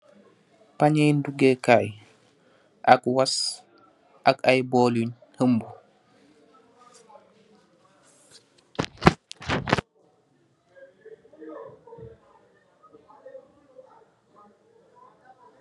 Panye ndugey kay, ak Wass ak ay bol yung hombu